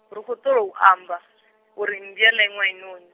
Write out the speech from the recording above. ri khou tholo u amba, uri mmbwa ḽa iṅwe i noni.